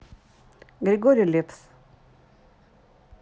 григорий лепс